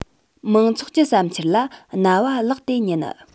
མང ཚོགས ཀྱི བསམ འཆར ལ རྣ བ བླགས ཏེ ཉན